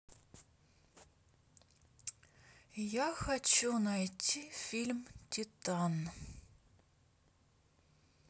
я хочу найти фильм титан